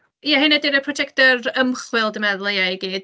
ia heina ydy'r prosiectau ymchwil dwi'n meddwl ia i gyd.